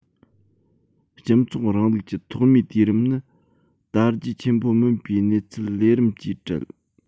སྤྱི ཚོགས རིང ལུགས ཀྱི ཐོག མའི དུས རིམ ནི དར རྒྱས ཆེན པོ མིན པའི གནས ཚུལ ལས རིམ གྱིས བྲལ